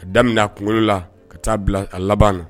Ka daminɛ kungo la ka taa bila a laban na